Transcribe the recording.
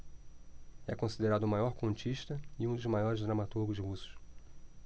é considerado o maior contista e um dos maiores dramaturgos russos